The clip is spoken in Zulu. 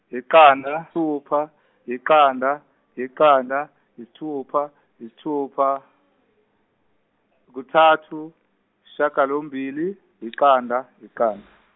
yiqanda -sithupa yiqanda yiqanda yisithupa yisithupa kuthathu ishagalombili yiqanda yiqanda.